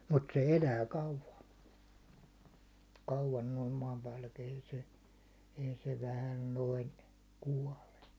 mutta se elää kauan kauan noin maanpäälläkin ei se ei se vähällä noin kuole